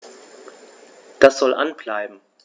Das soll an bleiben.